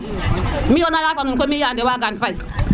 miyo na leya fo nuun koy mi Yande Wagane Faye